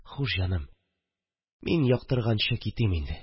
Хуш, җаным, мин яктырганчы китим инде